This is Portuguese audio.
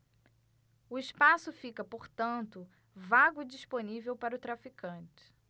o espaço fica portanto vago e disponível para o traficante